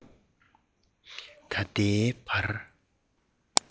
ད ལྟའི བར